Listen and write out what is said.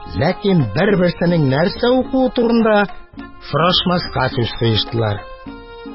Ләкин бер-берсенең нәрсә укуы турында сорашмаска сүз куештылар.